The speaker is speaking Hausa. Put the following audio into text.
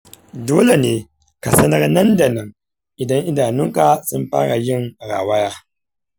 dole ne ka sanar nan da nan idan idanunka sun fara yin rawaya.